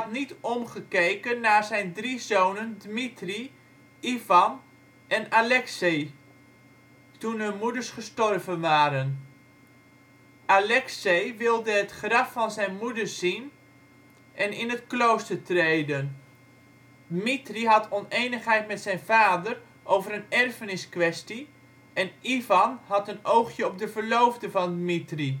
niet omgekeken naar zijn drie zonen Dmitri, Ivan en Aleksei, toen hun moeders gestorven waren. Aleksei wilde het graf van zijn moeder zien en in het klooster treden, Dmitri had onenigheid met zijn vader over een erfeniskwestie en Ivan had een oogje op de verloofde van Dmitri. De